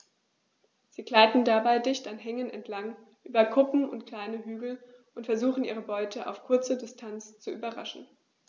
Sie gleiten dabei dicht an Hängen entlang, über Kuppen und kleine Hügel und versuchen ihre Beute auf kurze Distanz zu überraschen.